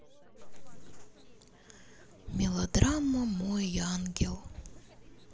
мелодрама мой ангел